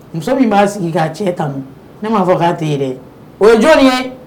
Muso min b'a sigi k'a cɛ kanu ne maa fɔ k'a tɛ ye dɛ o ye jɔnni ye